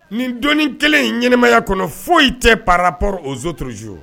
Nin doni kelen in ɲmaya kɔnɔ foyisi tɛ parap oo trozo